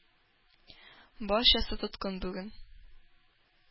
Барчасы тоткын бүген!..